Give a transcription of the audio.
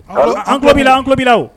Ɔ an kubi an kubilaw